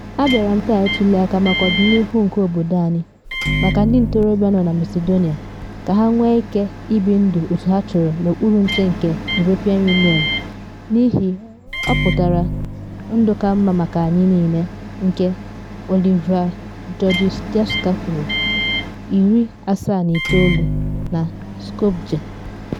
“Abịara m taa ituli aka maka ọdịnihu nke obodo anyị, maka ndị ntorobịa nọ na Macedonia ka ha nwee ike ibi ndụ otu ha chọrọ n’okpuru nche nke European Union n’ihi ọ pụtara ndụ ka mma maka anyị niile,” nke Olivera Georgijevska kwuru, 79, na Skopje.